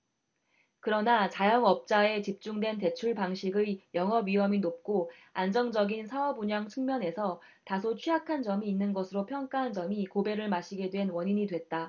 그러나 자영업자에 집중된 대출방식의 영업위험이 높고 안정적인 사업운영 측면에서 다소 취약한 점이 있는 것으로 평가한 점이 고배를 마시게 된 원인이 됐다